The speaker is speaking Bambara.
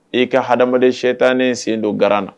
E ka adamaden sitanɛ sen don garan na.